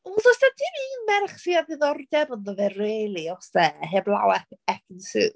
Os oes dim un merch sydd â ddiddordeb ynddo fe really oes e, heblaw am Ekin Su.